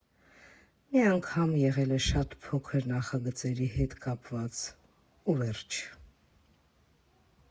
Մի անգամ եղել ա շատ փոքր նախագծերի հետ կապված, ու վերջ։